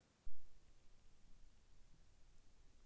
поставь балет